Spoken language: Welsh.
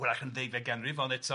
hwylach yn ddeud fe ganrif ond eto.